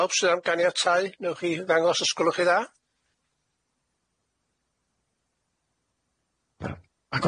Pawb sydd am ganiatáu, newch chi ddangos os gwelwch chi dda.